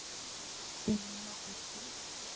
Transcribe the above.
иди нахуй стоп